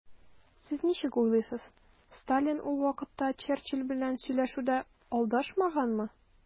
Сез ничек уйлыйсыз, Сталин ул вакытта Черчилль белән сөйләшүдә алдашмаганмы?